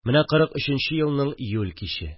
Менә кырык өченче елның июль киче